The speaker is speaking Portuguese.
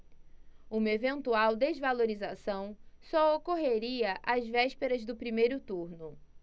uma eventual desvalorização só ocorreria às vésperas do primeiro turno